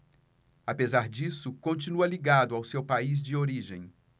apesar disso continua ligado ao seu país de origem